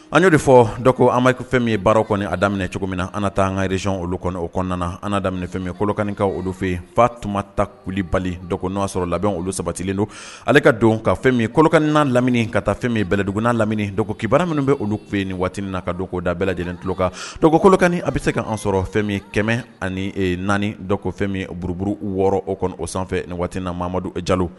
An y'o de fɔ dɔw ko anba fɛn min ye baara kɔni a cogo min na an taa an ka rez olu kɔnɔ o kɔnɔna andaini fɛn kolokanikaw olu fɛ yen fa tun ta kulibali dɔ n' y'a sɔrɔ labɛn olu sabatilen don ale ka don ka fɛn kɔlɔkaninan lamini ka taa fɛn bɛɛlɛdugunnanan lamini kibabara minnu bɛ olu tun yen nin waati na ka don da bɛɛ lajɛlen tulolo kan dɔgɔkunkolokani a bɛ se ka an sɔrɔ fɛn min kɛmɛ ani naani dɔwkɔ fɛn min buruburu wɔɔrɔ o kɔnɔ o sanfɛ waati namadu ja jeliwlo